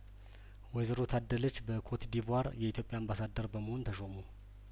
ወይዘሮ ታደለች በኮትዲቯር የኢትዮጵያ አምባሳደር በመሆን ተሾሙ